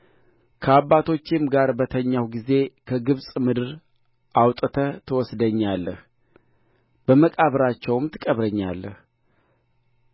ከአባቶቼም ጋር በተኛሁ ጊዜ ከግብፅ ምድር አውጥተህ ትወስደኛለህ በመቃብራቸውም ትቀብረኛለህ